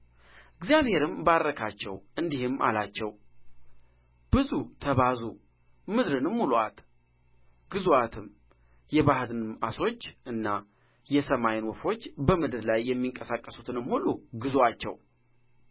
እግዚአብሔርም ባረካቸው እንዲህም አላቸው ብዙ ተባዙ ምድርንም ሙሉአት ግዙአትም የባሕርን ዓሦች እና የሰማይን ወፎች በምድር ላይ የሚንቀሳቀሱትንም ሁሉ ግዙአቸው